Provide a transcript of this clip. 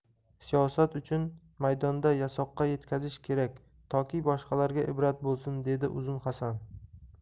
siyosat uchun maydonda yasoqqa yetkazish kerak toki boshqalarga ibrat bo'lsin dedi uzun hasan